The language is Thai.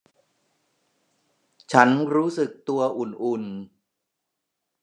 ฉันรู้สึกตัวอุ่นอุ่น